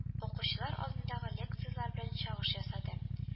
Укучылар алдындагы лекцияләр белән чагыш ясады